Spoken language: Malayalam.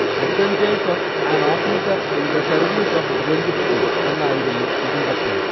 adventures of an officer in the service of Ranjit Singh എന്നായിരുന്നു ഇതിന്റെ പേര്